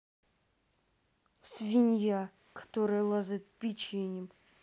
свинья которая лазает печеньем